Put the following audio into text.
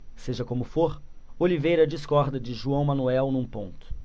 seja como for oliveira discorda de joão manuel num ponto